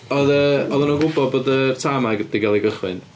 Oedd yy- oeddan nhw'n gwbod bod y tân ma' 'di gal ei gychwyn,